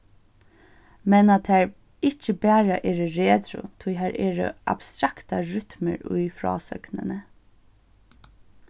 men at tær ikki bara eru retro tí har eru abstraktar rytmur í frásøgnini